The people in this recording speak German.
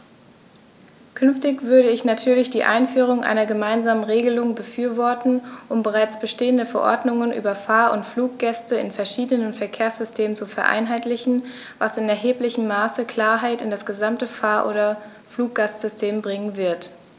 Künftig würde ich natürlich die Einführung einer gemeinsamen Regelung befürworten, um bereits bestehende Verordnungen über Fahr- oder Fluggäste in verschiedenen Verkehrssystemen zu vereinheitlichen, was in erheblichem Maße Klarheit in das gesamte Fahr- oder Fluggastsystem bringen wird.